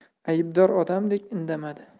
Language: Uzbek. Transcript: aybdor odamdek indamadi